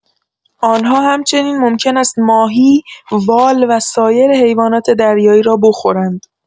آن‌ها همچنین ممکن است ماهی، وال و سایر حیوانات دریایی را بخورند.